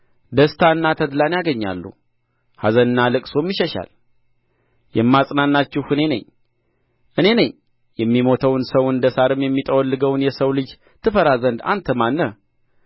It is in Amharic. ደስታንና ተድላን ያገኛሉ ኀዘንና ልቅሶም ይሸሻል የማጽናናችሁ እኔ ነኝ እኔ ነኝ የሚሞተውን ሰው እንደ ሣርም የሚጠወልገውን የሰው ልጅ ትፈራ ዘንድ አንተ ማን ነህ